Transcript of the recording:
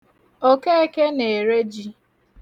Okeke na-ere ji.